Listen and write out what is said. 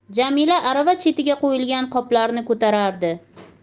jamila arava chetiga qo'yilgan qoplarni ko'tarardi